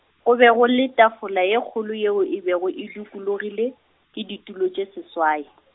go be go le tafola ye kgolo yeo e bego e dukologilwe, ke ditulo tše seswai .